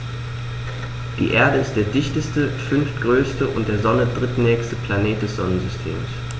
Die Erde ist der dichteste, fünftgrößte und der Sonne drittnächste Planet des Sonnensystems.